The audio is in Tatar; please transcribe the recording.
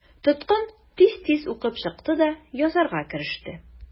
Тоткын тиз-тиз укып чыкты да язарга кереште.